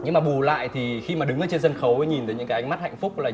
nhưng mà bù lại thì khi mà đứng ở trên sân khấu nhìn thấy những cái ánh mắt hạnh phúc là